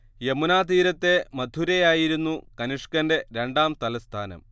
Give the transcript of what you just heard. യമുനാ തീരത്തെ മഥുരയായിരുന്നു കനിഷ്കന്റെ രണ്ടാം തലസ്ഥാനം